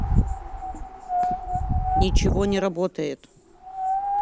ничего не работает